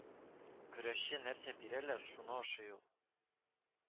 Көрәшче нәрсә бирәләр, шуны ашый ул